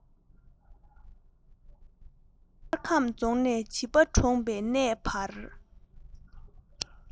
སྨར ཁམས རྫོང ནས བྱིས པ གྲོངས བའི གནས བར